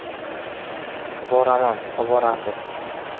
boraman oborasiz